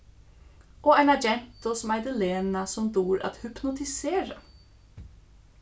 og eina gentu sum eitur lena sum dugir at hypnotisera